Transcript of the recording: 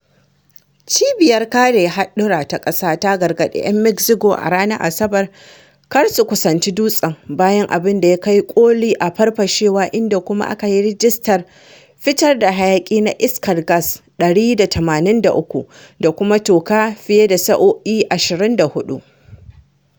Cibiyar Kare Haɗura ta Ƙasa ta gargaɗi ‘yan Mexico a ranar Asabar kar su kusanci dutsen bayan abin ya kai ƙoli a farfashewar inda kuma a ka yi rijistar fitar da hayaƙi na iskar gas 183 da kuma toka ta fiye da sa’o’i 24.